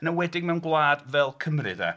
Yn enwedig mewn gwlad fel Cymru, 'de.